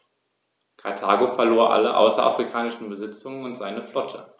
Karthago verlor alle außerafrikanischen Besitzungen und seine Flotte.